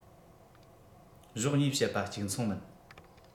གཞོགས གཉིས བཤད པ གཅིག མཚུངས མིན